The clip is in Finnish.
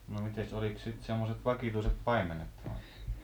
niin mitenkäs olikos sitten semmoiset vakituiset paimenet täällä